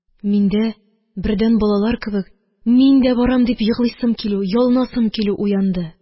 Миндә, бердән, балалар кебек, мин дә барам, дип еглыйсым килү, ялынасым килү уянды.